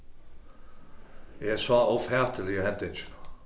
eg sá ófatiligu hendingina